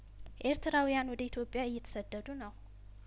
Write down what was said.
ኤርትራውያን ወደ ኢትዮጵያእየተሰደዱ ነው